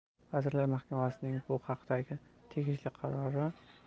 vazirlar mahkamasining bu haqdagi